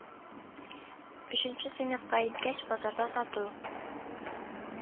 Өченче сыйныфка иткәч, базарда сату